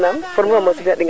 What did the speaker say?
cherie Waly Faye